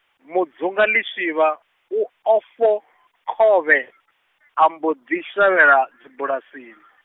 Mudzunga Lishivha, u ofho khovhe, a mbo ḓi shavhela, dzibulasini.